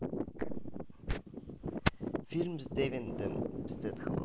фильм с дэвидом стетхемом